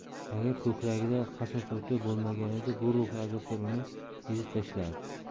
agar ko'kragida qasos o'ti bo'lmaganida bu ruhiy azoblar uni ezib tashlardi